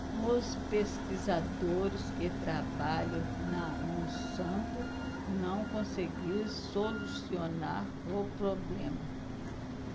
os pesquisadores que trabalham na monsanto não conseguiram solucionar o problema